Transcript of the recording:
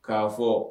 K'a fɔ